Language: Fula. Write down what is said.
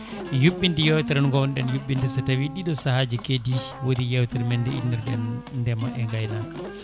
yuɓɓinde yewtere nde gownoɗen yuɓɓinde so tawi ɗiɗo saahaji keedi woni yewtere men nde innirɗen ndeema e gaynaka